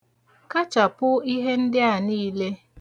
Kachàpụ ihe ndị a niile.